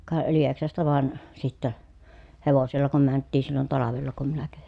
ka Lieksasta vain sitten hevosella kun mentiin silloin talvella kun minä kävin